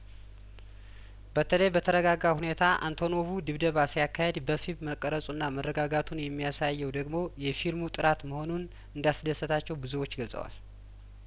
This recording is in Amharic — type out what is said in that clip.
በተለይ በተረጋጋ ሁኔታ አንቶኖቩ ድብደባ ሲያካሂድ በፊልም መቀረጹና መረጋጋቱን የሚያሳየው ደግሞ የፊልሙ ጥራት መሆኑን እንዳስ ደሰታቸው ብዙዎች ገልጸዋል